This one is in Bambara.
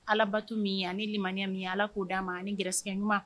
Alabato min ani ni lamya min ala k'o d'a ma ni ggɛ ɲuman